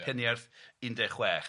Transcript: Peniarth un deg chwech.